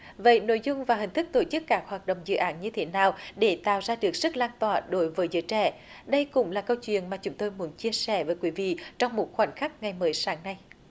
vậy nội dung và hình thức tổ chức các hoạt động dự án như thế nào để tạo ra được sức lan tỏa đối với giới trẻ đây cũng là câu chuyện mà chúng tôi muốn chia sẻ với quý vị trong một khoảnh khắc ngày mới sáng nay